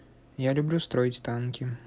я люблю строить танки